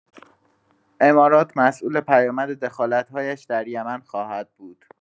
امارات مسئول پیامد دخالت‌هایش در یمن خواهد بود.